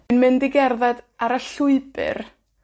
Dwi'n mynd i gerdded ar y llwybyr,